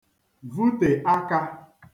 vute aka